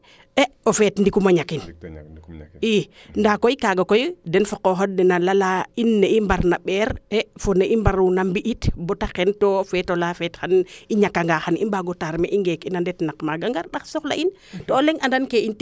e o feet ndik im ñakin i nda kaaga koy den fa qoxoox den a lala in ne i mbarna ɓeer fo ne i mbaruuna mbi'it bata xen to o feetola feet xan i ñaka nga xan i mbaago taar mee i ngeek na ndet naq maaga i ndax soxla in tig